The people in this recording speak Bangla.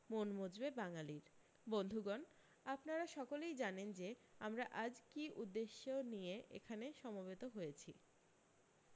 মন মজবে বাঙালির বন্ধুগণ আপনারা সকলেই জানেন যে আমরা আজ কী উদ্দেশ্য নিয়ে এখানে সমবেত হয়েছি